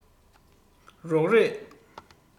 རོགས རེས